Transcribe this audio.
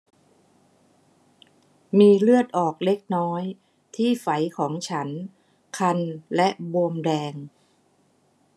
มีเลือดออกเล็กน้อยที่ไฝของฉันคันและบวมแดง